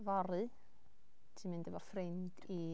Fory ti'n mynd efo ffrind i...